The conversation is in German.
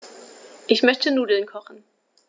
Ich möchte Nudeln kochen.